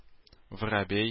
Воробей